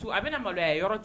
A bɛna maloya yɔrɔ ten